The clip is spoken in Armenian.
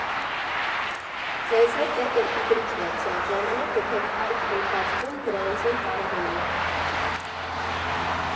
Ձեզ հետ տետր ու գրիչ վերցրեք, ժամանակ գտեք այդ ընթացքում գրանցել կարևորը։